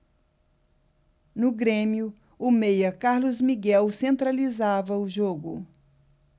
no grêmio o meia carlos miguel centralizava o jogo